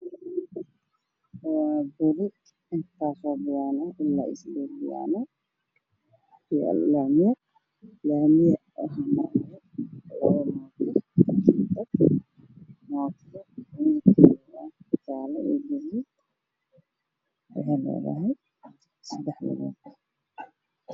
Waa dabam sideed bayaanna wuxuu horyaalo mootooyin dabaqoortiisa waxaa maro lami d ah dabaqa khilarkiisu waa cadan iyo midooday